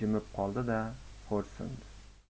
jimib qoldida xo'rsindi